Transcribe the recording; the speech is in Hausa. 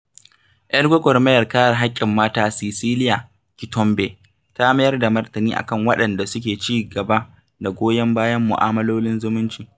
Yar gwagwarmayar kare haƙƙin mata Cecilia Kitombe ta mayar da martani a kan waɗanda suke cigaba da goyon bayan mu'amalolin zalunci: